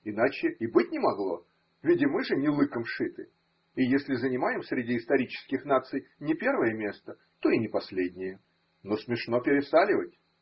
иначе и быть не могло – ведь и мы же не лыком шиты, и если занимаем среди исторических наций не первое место, то и не последнее. Но смешно пересаливать.